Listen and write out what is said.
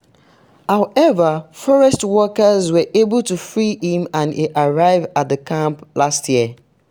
However, forest workers were able to free him and he arrived at the camp last year.